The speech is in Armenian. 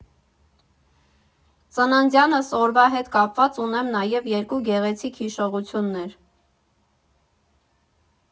Ծննդյանս օրվա հետ կապված ունեմ նաև երկու գեղեցիկ հիշողություններ։